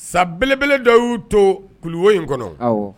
Sabelebele dɔ y'u to kuluwo in kɔnɔ